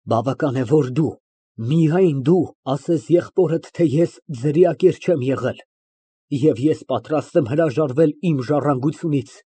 Բավական է, որ դու, միայն դու, ասես եղբորդ, թե ես ձրիակեր չեմ եղել, և ես պատրաստ եմ հրաժարվել իմ ժառանգությունից։